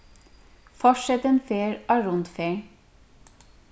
forsetin fer á rundferð